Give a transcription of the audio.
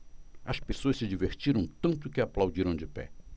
as pessoas se divertiram tanto que aplaudiram de pé